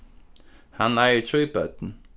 hann eigur trý børn